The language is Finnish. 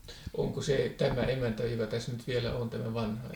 onko se tämä emäntä joka tässä nyt vielä on tämä vanha emäntä